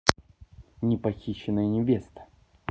непохищенная невеста